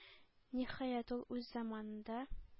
Ниһаять, ул үз заманында